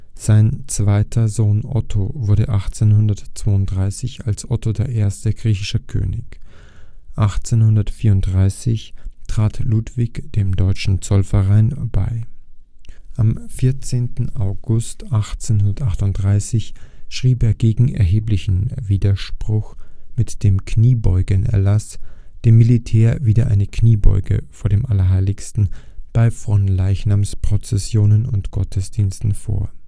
Sein zweiter Sohn Otto wurde 1832 als Otto I. griechischer König. 1834 trat Ludwig dem Deutschen Zollverein bei. Am 14. August 1838 schrieb er gegen erheblichen Widerspruch mit dem „ Kniebeugeerlass “dem Militär wieder eine Kniebeuge vor dem Allerheiligsten bei Fronleichnamsprozessionen und Gottesdiensten vor